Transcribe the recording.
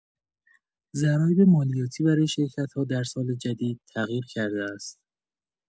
ضرایب مالیاتی برای شرکت‌ها در سال جدید تغییر کرده است.